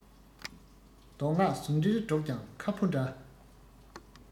མདོ སྔགས ཟུང འབྲེལ སྒྲོག ཀྱང ཁ ཕོ འདྲ